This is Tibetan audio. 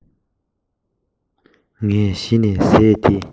ངས གཞི ནས ཟས འདི